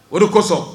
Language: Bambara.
O de kɔsɔn